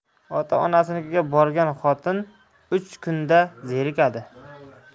ota onasinikiga borgan xotin uch kunda zerikadi